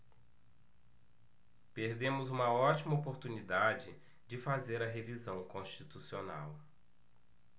perdemos uma ótima oportunidade de fazer a revisão constitucional